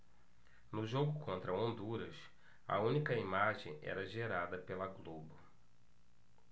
no jogo contra honduras a única imagem era gerada pela globo